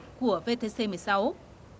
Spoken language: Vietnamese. của vê tê xê mười sáu